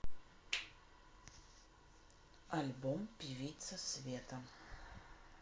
альбом певица света